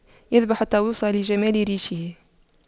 يذبح الطاووس لجمال ريشه